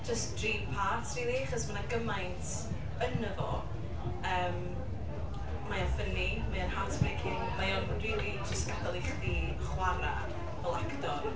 Jyst dream part rili, achos mae 'na gymaint ynddo fo. Yym. Mae o'n ffyni, mae o'n heartbreaking, mae o'n rili jyst gadael i chdi chwarae fel actor.